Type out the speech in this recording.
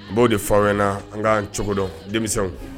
N b'o de fan na an kaan cogodɔn denmisɛnw